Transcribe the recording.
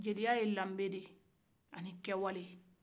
jeliya lanbe de ye ani kɛwale